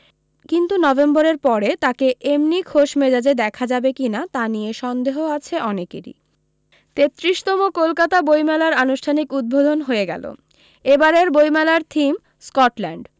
কিন্তু নভেম্বরের পরে তাঁকে এমনি খোশ মেজাজে দেখা যাবে কিনা তা নিয়ে সন্দেহ আছে অনেকেরি তেত্রিশ তম কলকাতা বৈমেলার আনুষ্ঠানিক উদ্বোধন হয়ে গেল এবারের বৈমেলার থিম স্কটল্যান্ড